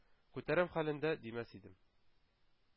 Күтәрәм хәлендә димәс идем.